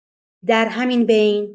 در همین بین